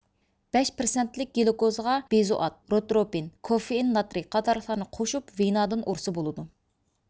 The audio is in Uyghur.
بەش پىرسەنتلىك گلۇكوزىغا بېنزوئات روتروپىن كوفېئىن ناترىي قاتارلىقلارنى قوشۇپ ۋىنادىن ئۇرسا بولىدۇ